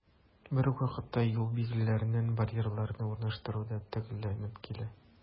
Бер үк вакытта, юл билгеләрен, барьерларны урнаштыру да төгәлләнеп килә.